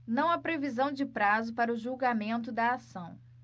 não há previsão de prazo para o julgamento da ação